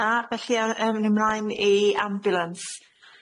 Na, felly a- a myn' mlaen i ambiwlans.